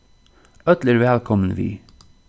øll eru vælkomin við